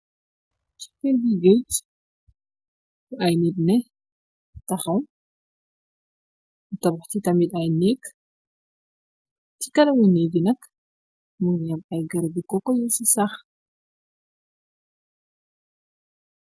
Suferyi geeji bu ay nit ne taxaw, tabax ci tamit ay néek ,ci kanami neek nak mungi am ay garbi koko yi ci sax.